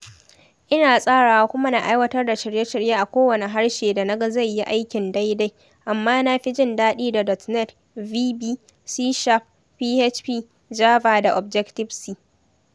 Ina tsarawa kuma na aiwatar da shirye-shirye a kowaanne harshe da na ga zai yi aikin daidai, amma na fi jin daɗi da .NET (VB, C#), PHP, Java da Objective C.